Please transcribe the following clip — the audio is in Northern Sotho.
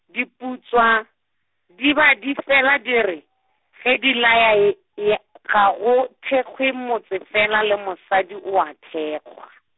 diputswa, di ba di fela di re, ge di laya ye ya , ga go thekgwe motse fela le mosadi o a thekgwa.